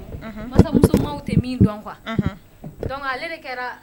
Unhun Masa musomanw ti min dɔn quoi Unhun donc ale de kɛra